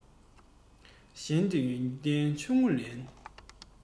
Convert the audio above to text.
གཞན གྱི ཡོན ཏན ཆུང ངུའང ལེན